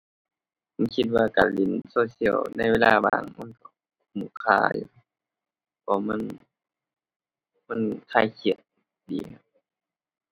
ผมคิดว่าการเล่นโซเชียลในเวลาว่าง มันคุ้มค่าอยู่ เพราะมัน มันคลายเครียดดี